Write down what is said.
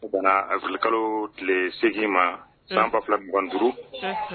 U kana a wuli kalo tile segin ma san ba fila mugan duuru